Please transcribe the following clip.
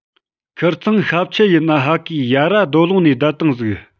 ཁིར ཚང ཤབ ཁྱུ ཡིན ནཕ གིས ཡར ར རྡོ ལུང ནས བསྡད བཏང ཟིག